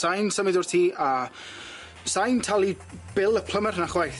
Sai'n symud o'r tŷ a sai'n talu bil y plymer na chwaith.